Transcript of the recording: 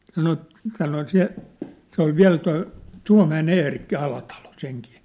sanoi sanoi se se oli vielä tuo Tuomäen Eerikki Alatalo senkin